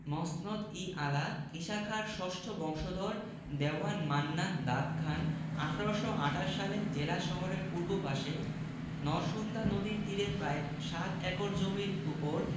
মসনদ ই আলা ঈশাখার ষষ্ঠ বংশধর দেওয়ান মান্নান দাদ খান ১৮২৮ সালে জেলা শহরের পূর্ব পাশে নরসুন্দা নদীর তীরে প্রায় সাত একর জমির ওপর